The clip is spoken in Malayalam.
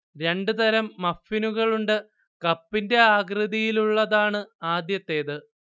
രണ്ടു തരം മഫ്ഫിനുകളുണ്ട്, കപ്പിന്റെ ആകൃതിയിലുള്ളതാണ് ആദ്യത്തേത്